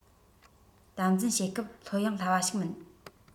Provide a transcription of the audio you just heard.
དམ འཛིན བྱེད སྐབས ལྷོད གཡེང སླ བ ཞིག མིན